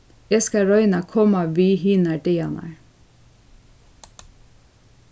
eg skal royna at koma við hinar dagarnar